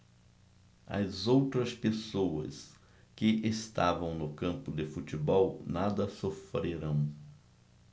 as outras pessoas que estavam no campo de futebol nada sofreram